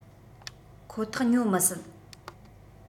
ཁོ ཐག ཉོ མི སྲིད